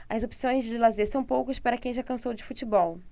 as opções de lazer são poucas para quem já cansou de futebol